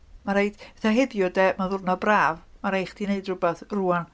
Ma' raid... fatha heddiw de, ma'n ddwrnod braf. Ma' raid chdi wneud rwbath rŵan.